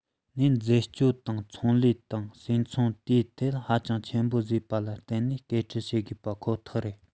ནས འཛད སྤྱོད དང ཚོང ལས དང སིལ ཚོང དེའི ཐད ཧ ཅང ཆེན པོ བཟོས པ ལ བརྟེན ནས སྐུལ ཁྲིད བྱེད དགོས པ ཁོ ཐག རེད